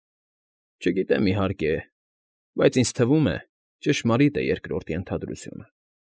Չգիտեմ, իհարկե, բայց ինձ թվում է, ճշմարիտ է երկրորդ ենթադրությունը։